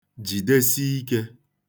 jidesi ike